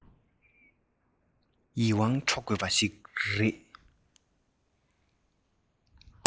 ཡིད དབང འཕྲོག དགོས པ ཞིག རེད